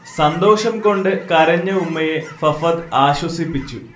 സന്തോഷം കൊണ്ട് കരഞ്ഞ ഉമ്മയെ ഫഫദ് ആശ്വസിപ്പിച്ചു